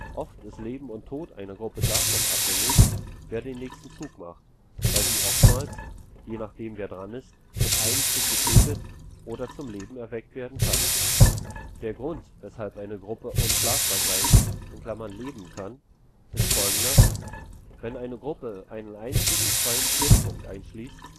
Oft ist Leben und Tod einer Gruppe davon abhängig, wer den nächsten Zug macht, weil sie oftmals, je nachdem, wer dran ist, mit einem Zug getötet oder zum Leben erweckt werden kann. Ein Beispiel für eine Gruppe mit zwei Augen. Der Grund, weshalb eine Gruppe unschlagbar sein (leben) kann, ist folgender: Wenn eine Gruppe einen einzigen freien Schnittpunkt einschließt